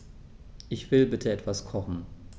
Ich will bitte etwas kochen.